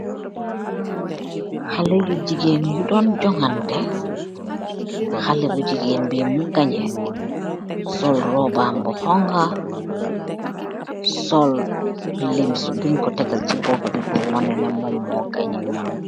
Haleh yu jigeen yu don jugante, haleh yu jigeen bi mu ganhe, sol roban bu honha, sol leeps bung ku tegal se bopa bi purr wanee ne mum mu ganhe.